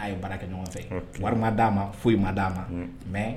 Aw ye baara kɛ ɲɔgɔn fɛ wari man d'a ma foyi man d d'a ma mais